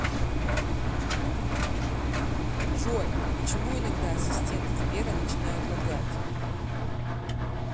джой почему иногда ассистенты сбера начинают лагать